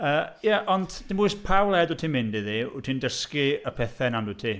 Yy ia, ond dim bwys pa wlad wyt ti'n mynd iddi, wyt ti'n dysgu y pethe 'na yndwyt ti.